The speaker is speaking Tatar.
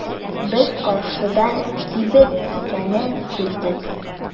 Без каршыда кибет икәнен күрдек.